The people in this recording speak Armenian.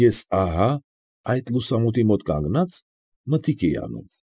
Ես ահա, այն լուսամուտի մոտ կանգնած, մտիկ էի անում։